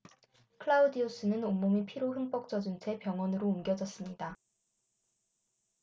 클라우디우스는 온몸이 피로 흠뻑 젖은 채 병원으로 옮겨졌습니다